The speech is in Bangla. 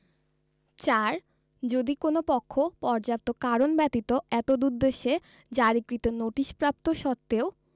৪ যদি কোন পক্ষ পর্যাপ্ত কারণ ব্যতীত এতদুদ্দেশ্যে জারীকৃত নোটিশ প্রাপ্ত সত্ত্বেও